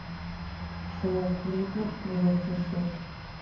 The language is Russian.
шоу хриплых привет сосед